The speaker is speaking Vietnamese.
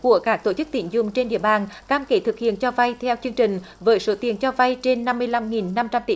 của cả tổ chức tín dụng trên địa bàn cam kết thực hiện cho vay theo chương trình với số tiền cho vay trên năm mươi lăm nghìn năm trăm tỷ